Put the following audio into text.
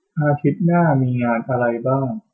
อาทิตย์หน้ามีงานอะไรบ้าง